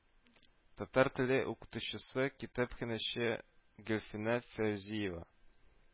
Татар теле укытучысы, китапханәче Гөлфинә Фәүзиева